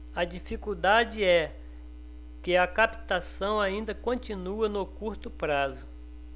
a dificuldade é que a captação ainda continua no curto prazo